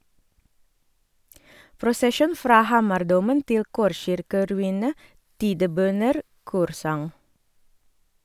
Prosesjon fra Hamardomen til korskirkeruinen, tidebønner, korsang.